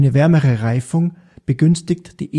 wärmere Reifung begünstigt die